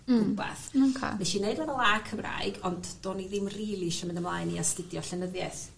Hmm. Rwbath. Mm oce. Nesh i neud lefl A Cymraeg ond do'n i ddim rili isie mynd ymlaen i astudio llenyddieth...